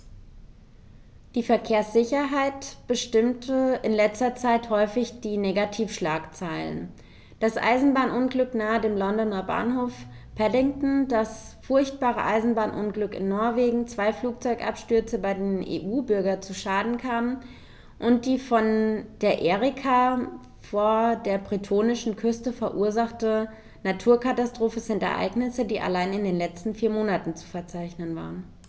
Die Verkehrssicherheit bestimmte in letzter Zeit häufig die Negativschlagzeilen: Das Eisenbahnunglück nahe dem Londoner Bahnhof Paddington, das furchtbare Eisenbahnunglück in Norwegen, zwei Flugzeugabstürze, bei denen EU-Bürger zu Schaden kamen, und die von der Erika vor der bretonischen Küste verursachte Naturkatastrophe sind Ereignisse, die allein in den letzten vier Monaten zu verzeichnen waren.